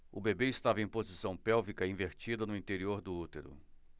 o bebê estava em posição pélvica invertida no interior do útero